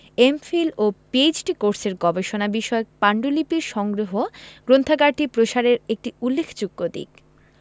MPhil ও PhD কোর্সের গবেষণা বিষয়ক পান্ডুলিপির সংগ্রহ গ্রন্থাগারটি প্রসারের একটি উল্লেখযোগ্য দিক